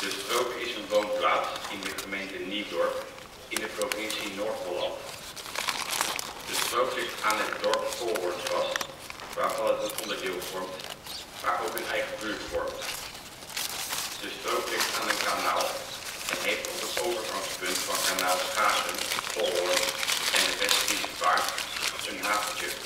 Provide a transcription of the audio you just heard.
Strook is een woonplaats in de gemeente Niedorp in de provincie Noord-Holland. De Strook ligt aan het dorp Kolhorn vast waarvan het een onderdeel vormt, maar ook een eigen buurt vormt. De Strook ligt aan een kanaal en heeft op het overgangspunt van Kanaal Schagen - Kolhorn en de Westfriesche Vaart een haventje